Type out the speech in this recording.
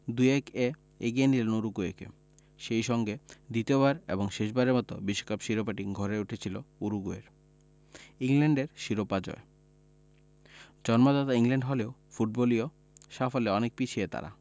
২ ১ এ এগিয়ে নিলেন উরুগুয়েকে সেই সঙ্গে দ্বিতীয়বার এবং শেষবারের মতো বিশ্বকাপের শিরোপাটি ঘরে উঠেছিল উরুগুয়ের ইংল্যান্ডের শিরোপা জয় জন্মদাতা ইংল্যান্ড হলেও ফুটবলীয় সাফল্যে অনেক পিছিয়ে তারা